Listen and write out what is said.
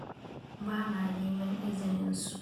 "Ba ma neman izinin su."